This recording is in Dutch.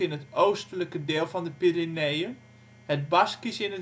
het oostelijke deel van de Pyreneeën, dat Baskisch is